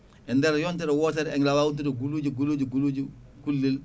e nder yontere wotere en lawa wontude guluje guluje guluje kullel